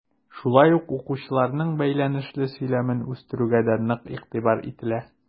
Шулай ук укучыларның бәйләнешле сөйләмен үстерүгә дә нык игътибар ителә.